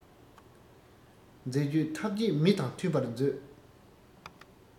མཛད སྤྱོད ཐབས ཅད མི དང མཐུན པར མཛོད